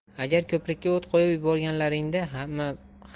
agar ko'prikka o't qo'yib yuborganlaringda